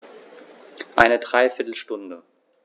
Eine dreiviertel Stunde